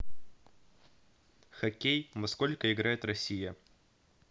хоккей во сколько играет россия